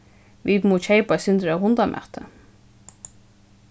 vit mugu keypa eitt sindur av hundamati